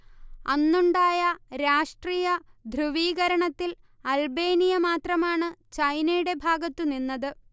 അന്നുണ്ടായ രാഷ്ട്രീയ ധ്രുവീകരണത്തിൽ അൽബേനിയ മാത്രമാണ് ചൈനയുടെ ഭാഗത്തു നിന്നത്